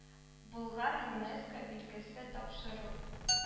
Болгар ЮНЕСКО билгесе тапшыру